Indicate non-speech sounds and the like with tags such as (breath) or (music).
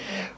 (breath) (hesitation) (hesitation)